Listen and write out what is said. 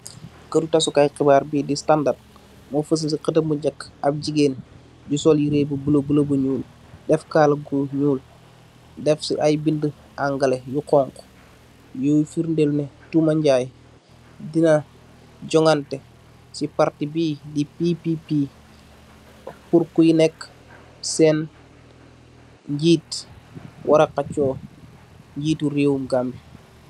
Keut tasu kaay xibaar bii di standard, mo feuseul si xeudeum gu njak, ab jigeen, ju sol yireh bu buleuh, buleuh bu nyuul, def kaal gu nyuul, def si aye bind angale yu xonxu, yu firndel neh, tuuma njie dina jonganteh, si parti bii di PPP, pur kuy nek seen njiit, wara xachoo njiitu reewum Gambie.